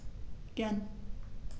Gern.